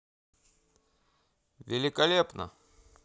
великолепно